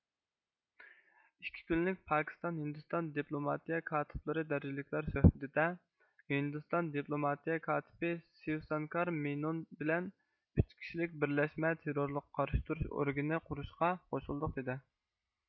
ئىككى كۈنلۈك پاكىستان ھىندىستان دىپلوماتىيە كاتىپلىرى دەرىجىلىكلەر سۆھبىتىدە ھىندىستان دىپلوماتىيە كاتىپى سىۋسانكار مېينون بىلەن ئۈچ كىشىلىك بىرلەشمە تېررورلۇققا قارشى تۇرۇش ئورگىنى قۇرۇشقا قوشۇلدۇق دىدى